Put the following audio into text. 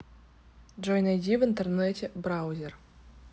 джой найди в интернете браузер